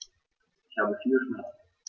Ich habe viele Schmerzen.